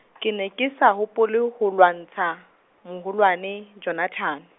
ke ne ke sa hopola, ho lwantsha, moholwane, Jonathane.